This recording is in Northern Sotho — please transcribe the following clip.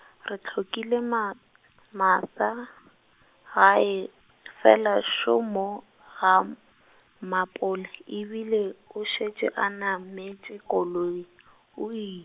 re hlokile ma, Martha, gae, fela šo mo, ga M-, Mapole, ebile o šetše a nametše koloi, o i.